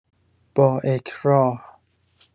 با اکراه